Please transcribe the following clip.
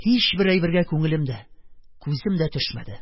Һичбер әйбергә күңелем дә, күзем дә төшмәде: